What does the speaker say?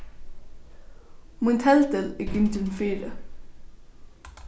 mín teldil er gingin fyri